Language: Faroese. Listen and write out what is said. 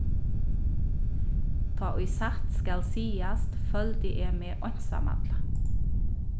tá ið satt skal sigast føldi eg meg einsamalla